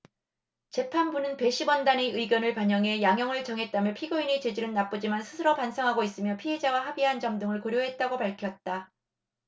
재판부는 배심원단의 의견을 반영해 양형을 정했다며 피고인의 죄질은 나쁘지만 스스로 반성하고 있으며 피해자와 합의한 점 등을 고려했다고 밝혔다